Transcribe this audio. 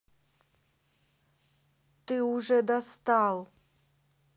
ты уже где достал